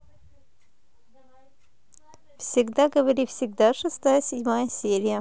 всегда говори всегда шесть седьмая серия